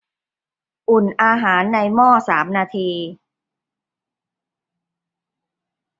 อุ่นอาหารในหม้อสามนาที